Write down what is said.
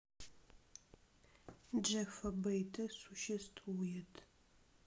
джеффа бейте существует